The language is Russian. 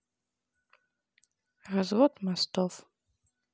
развод мостов